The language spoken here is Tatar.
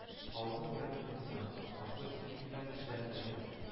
Авызын ерды фердинанд, аслы-өсле килгән тешләрен яшереп